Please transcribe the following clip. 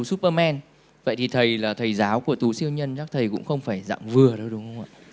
súp bơ men vậy đi thầy là thầy giáo của tú siêu nhân chắc thầy cũng không phải dạng vừa đâu đúng không ạ